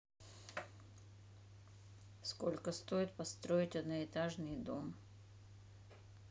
сколько стоит построить одноэтажный дом